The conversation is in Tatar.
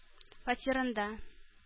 Фатирында